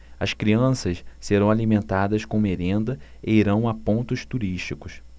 as crianças serão alimentadas com merenda e irão a pontos turísticos